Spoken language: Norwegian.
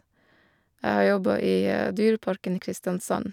Jeg har jobba i Dyreparken i Kristiansand.